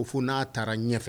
Fo fo n'a taara ɲɛfɛ